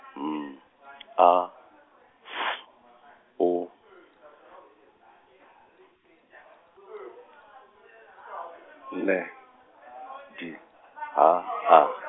M A F U, ne D H A.